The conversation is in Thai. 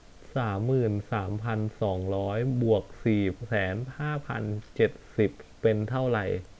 สามหมื่นสามพันสองร้อยบวกสี่แสนห้าพันเจ็ดสิบเป็นเท่าไร